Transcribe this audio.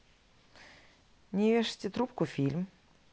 не вешайте трубку фильм